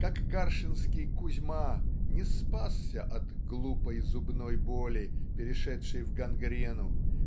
как гаршинский Кузьма не спасся от "глупой зубной боли" перешедшей в гангрену